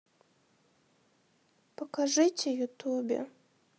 покажите ютубе